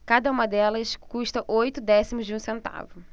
cada uma delas custa oito décimos de um centavo